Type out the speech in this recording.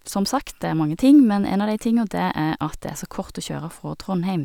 Som sagt, det er mange ting, men en av de tinga det er at det så kort å kjøre fra Trondheim.